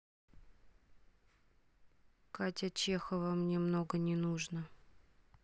катя чехова мне много не нужно